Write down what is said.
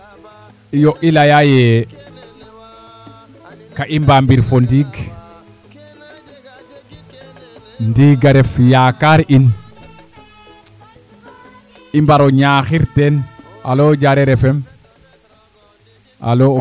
iyo i laya yee kaa i mbamir fo ndiig ndiig a ref yaakaar in i mbar o ñaaxi teen alo Diarer FM Alo